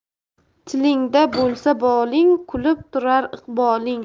tilingda bo'lsa boling kulib turar iqboling